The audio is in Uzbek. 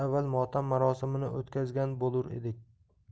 motam marosimini o'tkazgan bo'lur edik